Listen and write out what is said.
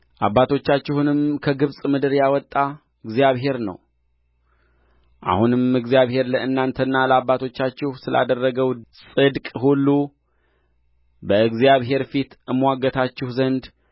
አባቶቻችሁንም ከግብጽ ምድር ያወጣ እግዚአብሔር ነው አሁንም እግዚአብሔር ለእናንተና ለአባቶቻችሁ ስላደረገው ጽድቅ ሁሉ በእግዚአብሔር ፊት እምዋገታችሁ ዘንድ